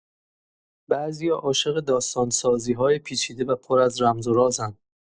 بعضیا عاشق داستان‌سازی‌های پیچیده و پر از رمز و رازن.